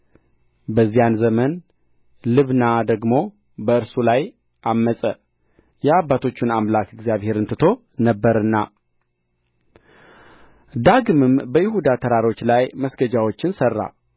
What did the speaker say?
በዚያንም ዘመን ልብና ደግሞ በእርሱ ላይ ዐመፀ የአባቶቹን አምላክ እግዚአብሔርን ትቶ ነበርና ዳግምም በይሁዳ ተራሮች ላይ መስገጃዎችን ሠራ